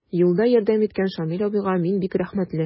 Юлда ярдәм иткән Шамил абыйга мин бик рәхмәтле.